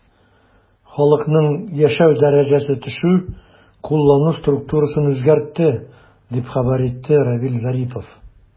Халыкның яшәү дәрәҗәсе төшү куллану структурасын үзгәртте, дип хәбәр итте Равиль Зарипов.